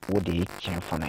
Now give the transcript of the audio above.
O de ye tiɲɛ fana ye